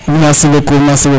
merci beaucoup merci beaucoup